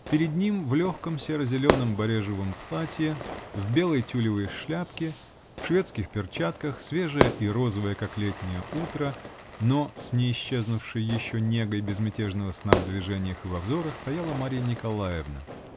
Перед ним, в легком, серо-зеленом барежевом платье, в белой тюлевой шляпке, в шведских перчатках, свежая и розовая, как летнее утро, но с не исчезнувшей еще негой безмятежного сна в движениях и во взорах, стояла Марья Николаевна.